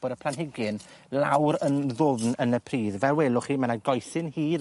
bod y planhigyn lawr yn ddwfn yn y pridd. Fel welwch chi ma' 'na goesyn hir